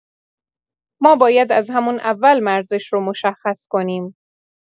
ما باید از همون اول مرزش رو مشخص کنیم.